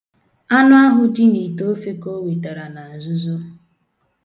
Anụ ahụ dị n'ite ofe ka o wetara na nzuzo.